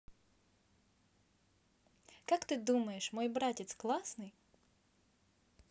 как ты думаешь мой братец классный